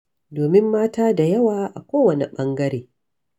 Domin mata da yawa a kowane ɓangare.